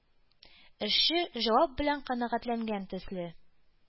Эшче, җавап белән канәгатьләнгән төсле,